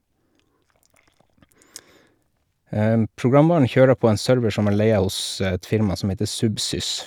Programvaren kjører på en server som jeg leier hos et firma som heter Subsys.